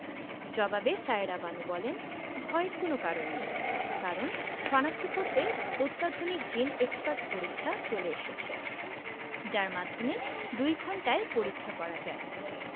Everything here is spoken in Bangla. জবাবে সায়েরা বানু বলেন ভয়ের কোনো কারণ নেই কারণ শনাক্ত করতে অত্যাধুনিক জিন এক্সপার্ট পরীক্ষা চলে এসেছে যার মাধ্যমে দুই ঘণ্টায় পরীক্ষা করা যায়